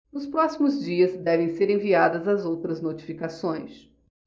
nos próximos dias devem ser enviadas as outras notificações